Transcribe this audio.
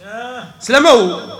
Silamɛw